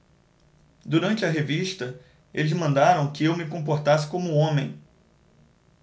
durante a revista eles mandaram que eu me comportasse como homem